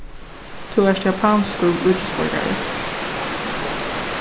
tú ert japanskur ríkisborgari